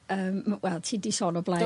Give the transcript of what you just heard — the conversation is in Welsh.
yym ma' wel ti di sôn o blaen...